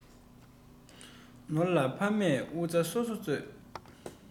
ནོར ལ ཕ མས བུ ཚ གསོ གསོ མཛོད